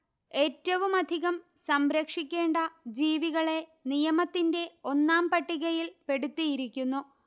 ഏറ്റവുമധികം സംരക്ഷിക്കേണ്ട ജീവികളെ നിയമത്തിന്റെ ഒന്നാം പട്ടികയിൽ പെടുത്തിയിരിക്കുന്നു